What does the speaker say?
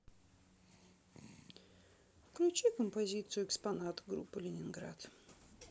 включи композицию экспонат группы ленинград